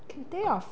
Cymryd day off.